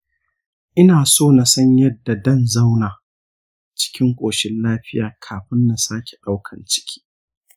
inaso nasan yaadda dan zauna cikin koshin lafiya kafun nasake daukan ciki.